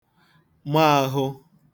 ma āhụ̄